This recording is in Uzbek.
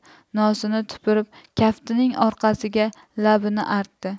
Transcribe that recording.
nosini tupurib kaftining orqasiga labini artdi